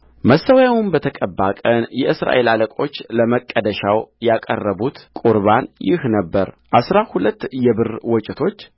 መሠዊያው በተቀባ ቀን የእስራኤል አለቆች ለመቀደሻው ያቀረቡት ቍርባን ይህ ነበረ አሥራ ሁለት የብር ወጭቶች አሥራ ሁለት የብር ድስቶች